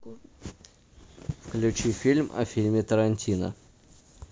включи фильм о фильме тарантино